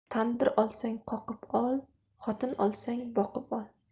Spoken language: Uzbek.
tandir olsang qoqib ol xotin olsang boqib ol